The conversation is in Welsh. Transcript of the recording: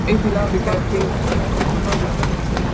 Ei di lawr i Gaerdydd i cefnogi chwaer ti?